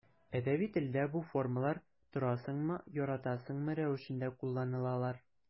Әдәби телдә бу формалар торасыңмы, яратасыңмы рәвешендә кулланылалар.